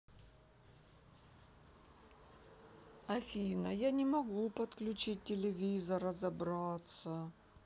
афина я не могу подключить телевизор разобраться